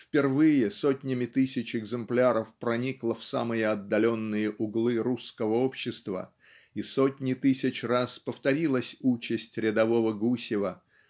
впервые сотнями тысяч экземпляров проникло в самые отдаленные углы русского общества и сотни тысяч раз повторилась участь рядового Гусева